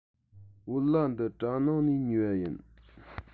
བོད ལྭ འདི གྲ ནང ནས ཉོས པ ཡིན